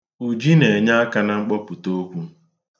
Uji na-enye aka na mkpọpụta okwu.